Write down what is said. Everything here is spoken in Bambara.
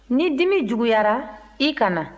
ni dimi juguyara i ka na